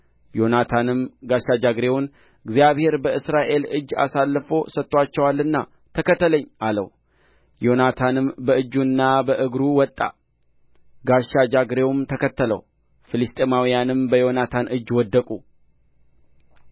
ዮናታንም ጋሻ ጃግሬውን እግዚአብሔር በእስራኤል እጅ አሳልፎ ሰጥቶአቸዋልና ተከተለኝ አለው ዮናታንም በእጁና በእግሩ ወጣ ጋሻ ጃግሬውም ተከተለው ፍልስጥኤማውያንም በዮናታን እጅ ወደቁ